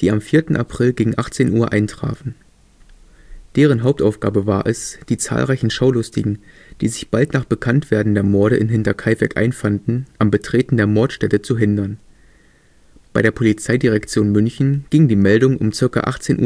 die am 4. April gegen 18 Uhr eintrafen. Deren Hauptaufgabe war es, die zahlreichen Schaulustigen, die sich bald nach Bekanntwerden der Morde in Hinterkaifeck einfanden, am Betreten der Mordstätte zu hindern. Bei der Polizeidirektion München ging die Meldung um ca. 18.15